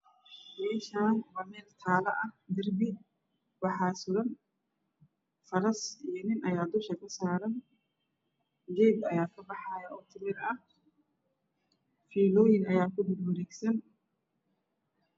Meshan waa meel taalo ah dirbi waxa suran faras iyo nin ayaa dusha kasaaran geed ayaa ka baxayo oo timir ah filoyin ayaa ku wareegsan